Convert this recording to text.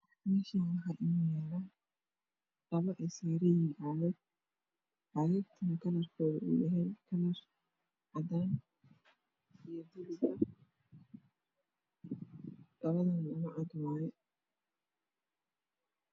Halkan waa yalo mis oo miyar ah wax saran cag Karen kujiro kalar kode waa binki